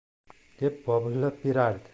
deb bobillab berardi